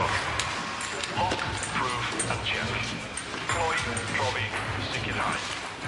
Door open. Drws ar agor. Lock, prove and check. Cloi, profi, sicirhau.